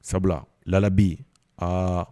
Sabula labi aa